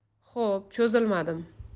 xo'p cho'zilmadim